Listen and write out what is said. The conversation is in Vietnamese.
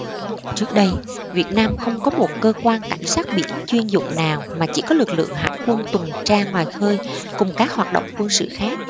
trước đây việt nam không có một cơ quan cảnh sát biển chuyên dụng nào mà chỉ có lực lượng hải quân tuần tra ngoài khơi cùng các hoạt động quân sự khác